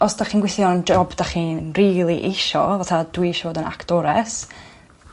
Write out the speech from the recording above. os 'dach chi'n gweithio yn job 'dach chi'n rili eisio fatha dwi isio fod yn actores